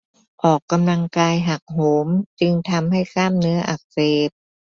ออกกำลังกายหักโหมจึงทำให้กล้ามเนื้ออักเสบ